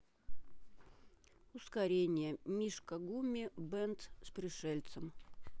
ускорение мишка гумми бенц с пришельцем